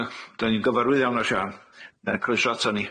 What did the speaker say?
Dwi'n yy 'dan ni'n gyfarwydd iawn â Siân yy croeso atan ni.